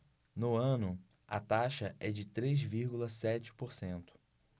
no ano a taxa é de três vírgula sete por cento